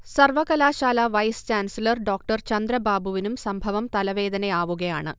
സർവ്വകലാശാല vice chancellor ഡോ. ചന്ദ്രബാബുവിനും സംഭവം തലവേദനയാവുകയാണ്